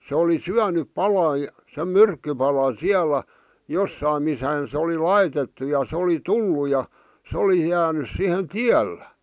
se oli syönyt palan sen myrkkypalan siellä jossakin missähän se oli laitettu ja se oli tullut ja se oli jäänyt siihen tiellä